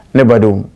Ne ba